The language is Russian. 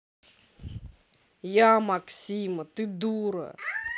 я максима ты дура